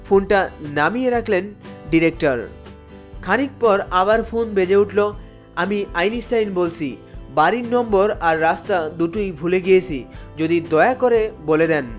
ফোনটা নামিয়ে রাখলেন ডিরেক্টর খানিক পর আবার ফোন বেজে উঠলো আমি আইনস্টাইন বলছি বাড়ি নম্বর আর রাস্তা দুটোই ভুলে গিয়েছি যদি দয়া করে বলে দেন